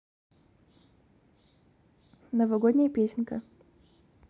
новогодняя песенка